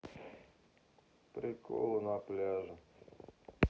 приколы на пляже